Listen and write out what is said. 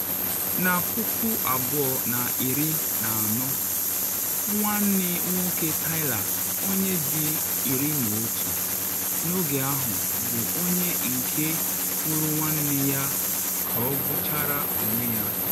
Na 2014, nwanne nwoke Tyler, onye dị 11 n’oge ahụ, bụ onye nke hụrụ nwanne ya ka o gbuchara onwe ya.